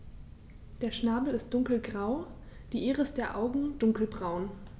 Der Schnabel ist dunkelgrau, die Iris der Augen dunkelbraun.